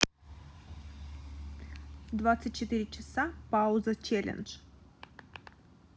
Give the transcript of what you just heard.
двадцать четыре часа пауза челлендж